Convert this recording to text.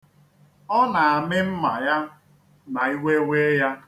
Ọ na-ami mma ya ma iwe wee ya.